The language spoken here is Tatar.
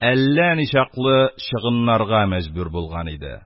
Әллә ничаклы чыгыннарга мәҗбүр булган иде